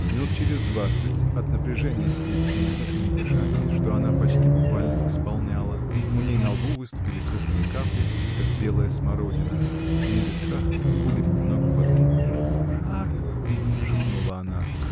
Минут через двадцать, от напряжения сидеть смирно и не дышать, что она почти буквально исполняла, у ней на лбу выступили крупные капли, как белая смородина, и на висках кудри немного подмокли. — Жарко! — шепнула она.